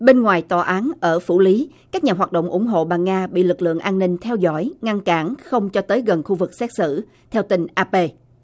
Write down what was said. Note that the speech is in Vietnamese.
bên ngoài tòa án ở phủ lý các nhà hoạt động ủng hộ bà nga bị lực lượng an ninh theo dõi ngăn cản không cho tới gần khu vực xét xử theo tin a bê